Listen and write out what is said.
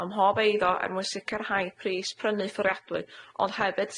ym mhob eiddo er mwyn sicirhau pris prynu fforiadwy ond hefyd